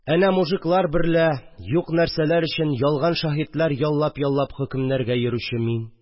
Әнә мужиклар берлә юк нәрсәләр өчен ялган шаһидләр яллап-яллап хөкемнәргә йөрүче мин